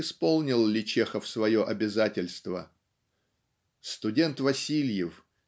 исполнил ли Чехов свое обязательство? Студент Васильев